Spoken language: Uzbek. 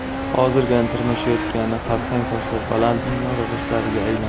hozirgina tirmashayotgani xarsang toshlar baland minora g'ishtlariga aylandi